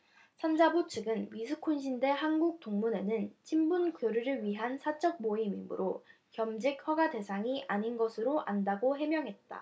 산자부 측은 위스콘신대 한국 동문회는 친분교류를 위한 사적 모임이므로 겸직 허가 대상이 아닌 것으로 안다고 해명했다